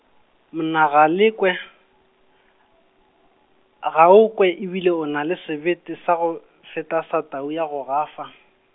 mna Galekwe, ga o kwe e bile o na le sebete sa go, feta sa tau ya go gafa.